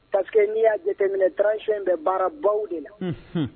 Paseke n'i y'a jateminɛ transiyɛn in bɛ baara baw de la